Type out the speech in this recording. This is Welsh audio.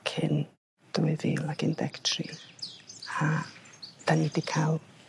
...cyn dwy fil ac un deg tri a 'dan ni 'di ca'l